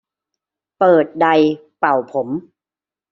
เปิดไดร์เป่าผม